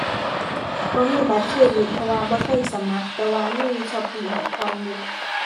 บ่มีบัตรเครดิต เพราะว่าบ่เคยสมัครแต่ว่ามี Shopee ให้ผ่อนอยู่